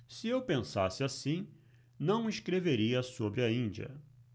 se eu pensasse assim não escreveria sobre a índia